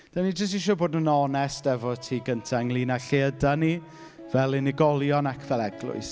Dan ni jyst isio bod yn onest efo ti gynta ynglyn â lle ydyn ni fel unigolion ac fel eglwys.